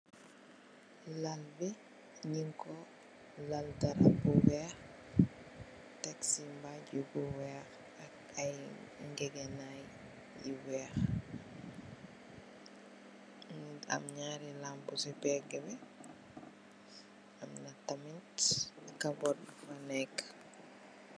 Lal be nyunku lal darab bu weex tek se maje bu weex ak aye negenay yu weex munge am nyari lampu se pega be amna tamin kabot bufa neke.